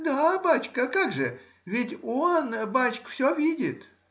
— Да, бачка, как же: ведь он, бачка, все видит.